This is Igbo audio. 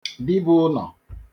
dibụnọ